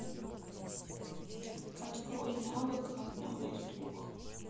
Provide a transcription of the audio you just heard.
открой навык одно из двух